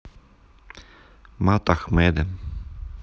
matt ахмеде